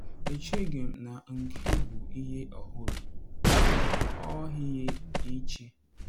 “Echeghị m na nke bụ ihe ọhụrụ, ọ ihe ị che?”